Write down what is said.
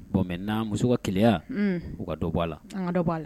Bon mɛ n'a muso ka kɛlɛya u waga ka dɔ b'a la b'a la